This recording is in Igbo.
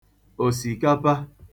òsìkapa